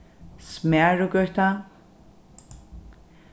smærugøta